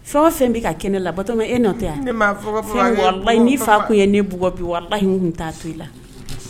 Fɛn o fɛn bɛ ka kɛ ne la Batɔma e nɔ tɛ wa? Ne m'a fɔ ko papa k'e bugɔ. Walayi n'i fa tun ye ne bugɔ bi, walayi n tun t'a to i la.